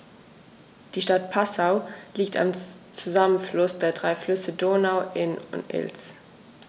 Die Stadt Passau liegt am Zusammenfluss der drei Flüsse Donau, Inn und Ilz.